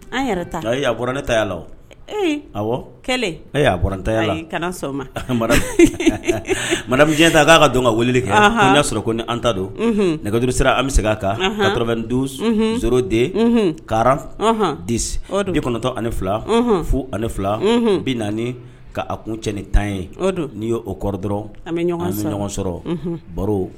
A a ne ta la a kɛlen ata marafin jan ta k'a ka don ka wele kan y'a sɔrɔ ko ni an ta don nɛgɛj sera an bɛ se' kan duuru s de ka di kɔnɔntɔ ani fila fu ani fila bi naani ka a kun cɛn ni tan ye n'i y o kɔrɔ dɔrɔn an bɛ ɲɔgɔn sɔrɔ baro